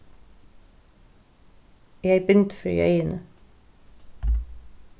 eg hevði bind fyri eyguni